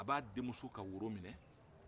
a b'a denmuso ka woro minɛ